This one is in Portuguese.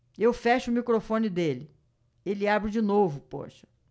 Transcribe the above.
eu fecho o microfone dele ele abre de novo poxa